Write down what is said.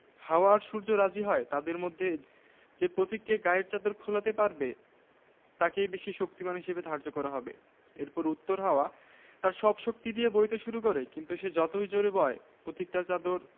হাওয়া আর সূর্য রাজি হয় তাদের মধ্যে যে পথিকে গায়ের চাদর খোলাতে পারবে তাকেই বেশি শক্তিমান হিসেবে ধার্য করা হবে এরপর উত্তর হাওয়া তার সব শক্তি দিয়ে বইতে শুরু করে কিন্তু সে যতই জোড়ে বয় পথিক তার চাদর